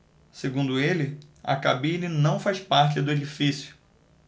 segundo ele a cabine não faz parte do edifício